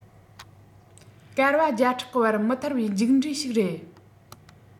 བསྐལ པ བརྒྱ ཕྲག གི བར མི ཐར བའི མཇུག འབྲས ཤིག རེད